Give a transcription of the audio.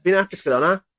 ...fi'n apus gydo 'wnna.